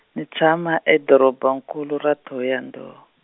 ni tshama e doroba nkulu ra Thohoyandou.